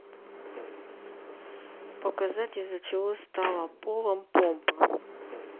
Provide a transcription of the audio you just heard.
показать из за чего стало полом помпа